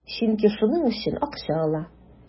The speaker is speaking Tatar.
Чөнки шуның өчен акча ала.